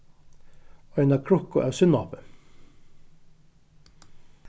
eina krukku av sinnopi